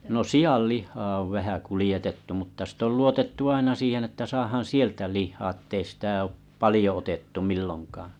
no sianlihaa on vähän kuljetettu mutta sitten on luotettu aina siihen että saadaan sieltä lihaa että ei sitä ole paljon otettu milloinkaan